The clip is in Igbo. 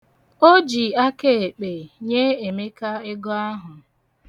O ji akaekpe nye Emeka ego ahụ.